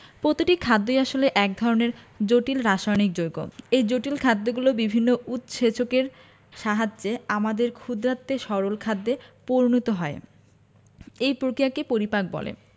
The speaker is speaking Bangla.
পতিটি খাদ্যই আসলে এক ধরনের জটিল রাসায়নিক যৌগ এই জটিল খাদ্যগুলো বিভিন্ন উৎসেচকের সাহায্যে আমাদের ক্ষুদ্রান্তে সরল খাদ্যে পরিণত হয় এই প্রক্রিয়াকে পরিপাক বলে